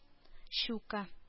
Щука